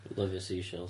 Lyfio seashells.